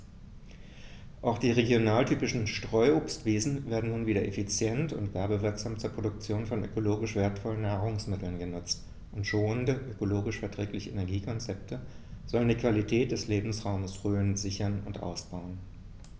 Auch die regionaltypischen Streuobstwiesen werden nun wieder effizient und werbewirksam zur Produktion von ökologisch wertvollen Nahrungsmitteln genutzt, und schonende, ökologisch verträgliche Energiekonzepte sollen die Qualität des Lebensraumes Rhön sichern und ausbauen.